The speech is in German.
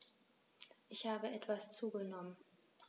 Ich habe etwas zugenommen